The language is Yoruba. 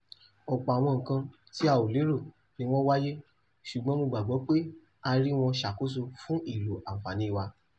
Ọ̀pọ̀ àwọn nǹkan tí a ò lérò ní wọ́n wáyé, ṣùgbọ́n mo gbàgbọ́ pé a rí wọn ṣàkóso fún ìlò àǹfààní wa.